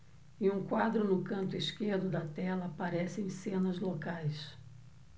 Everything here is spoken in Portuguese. em um quadro no canto esquerdo da tela aparecem cenas locais